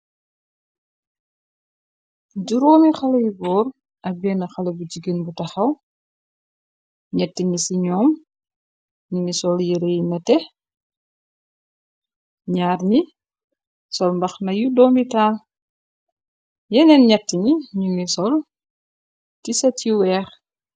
Juróomi xalay góor ak benn xale bu jigén bu taxaw, ñett ñi ci ñoom ñingi sol yirey nete, naar ñi sol mbax na yu doomitaal, yeneen ñett ñi ñungi sol tisa ci weex.